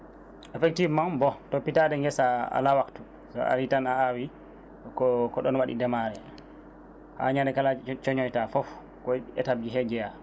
effectivement bon toppitade geesa ala waftu sa ari tan a awi ko ko ɗon waɗi démarré haa ñannde kala coñoyta foof koye étapes ji he jeeya